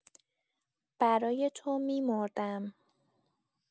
برای تو می‌مردم